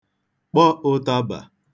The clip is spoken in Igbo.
kpọ ụ̄tābà